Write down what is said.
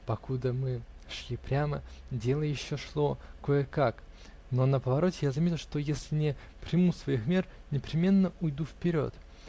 Покуда мы шли прямо, дело еще шло кое-как, но на повороте я заметил, что, если не приму своих мер, непременно уйду вперед.